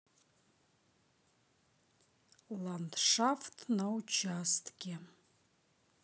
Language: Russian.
ландшафт на участке